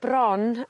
bron